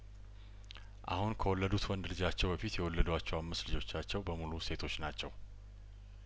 አሁን ከወለዱት ወንድ ልጃቸው በፊት የወለዷቸው አምስት ልጆቻቸው በሙሉ ሴቶች ናቸው